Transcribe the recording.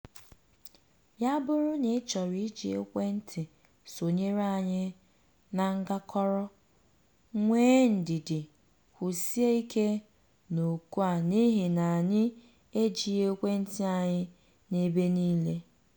“Ya bụrụ na ị chọrọ iji ekwentị sonyere anyị na Ngakoro, nwee ndidi, kwụsie ike n'oku a n'ihi na anyị ejighị ekwentị anyị n'ebe niile.